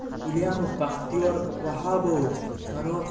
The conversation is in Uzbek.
gulyamov baxtiyor vahobovich sanoat